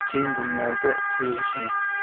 keng dunyoga siyg'ishmas